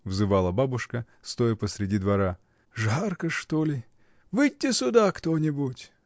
— взывала бабушка, стоя посреди двора. — Жарко, что ли? Выдьте сюда кто-нибудь!